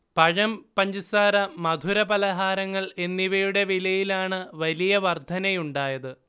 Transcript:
പഴം, പഞ്ചസാര, മധുര പലഹാരങ്ങൾ എന്നിവയുടെ വിലയിലാണ് വലിയ വർധനയുണ്ടായത്